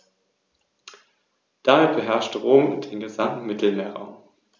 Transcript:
Durch das Rahmenkonzept des Biosphärenreservates wurde hier ein Konsens erzielt.